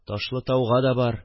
Ташлытауга да бар